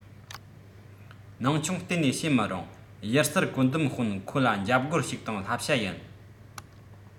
སྣང ཆུང གཏན ནས བྱེད མི རུང གཡུལ སར བཀོད འདོམས དཔོན ཁོ ལ འཇབ རྒོལ ཞིག དང བསླབ བྱ ཡིན